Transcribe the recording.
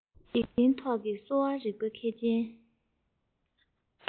འཇིག རྟེན ཐོག གི གསོ བ རིག པ མཁས ཅན